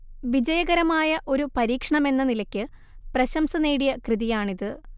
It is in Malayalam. വിജയകരമായ ഒരു പരീക്ഷണമെന്ന നിലയ്ക്ക് പ്രശംസ നേടിയ കൃതിയാണിത്